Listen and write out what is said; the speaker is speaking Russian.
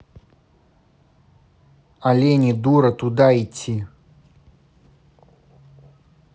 олени дура туда идти